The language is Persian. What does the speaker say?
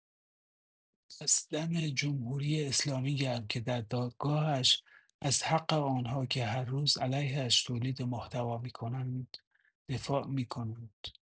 پس دم جمهوری‌اسلامی گرم که در دادگاهش، از حق آنها که هر روز علیه ش تولید محتوا می‌کنند دفاع می‌کنند.